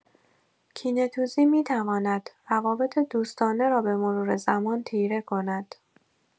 کینه‌توزی می‌تواند روابط دوستانه را به‌مرور زمان تیره کند.